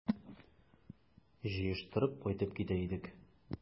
Җыештырып кайтып китә идек...